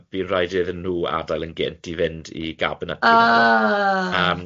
bu'n rhaid iddyn nhw adel yn gynt i fynd i Ah!